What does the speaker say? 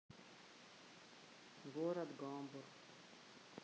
город гамбург